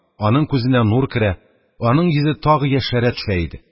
Аның күзенә нур керә, аның йөзе тагы яшәрә төшә иде.